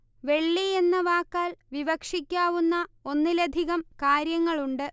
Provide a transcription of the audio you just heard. വെള്ളി എന്ന വാക്കാൽ വിവക്ഷിക്കാവുന്ന ഒന്നിലധികം കാര്യങ്ങളുണ്ട്